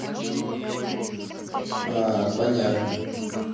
а понятно